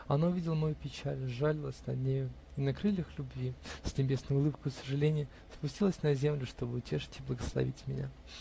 она увидела мою печаль, сжалилась над нею и на крыльях любви, с небесною улыбкою сожаления, спустилась на землю, чтобы утешить и благословить меня.